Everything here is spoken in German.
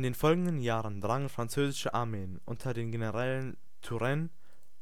den folgenden Jahren drangen französische Armeen unter den Generälen Turenne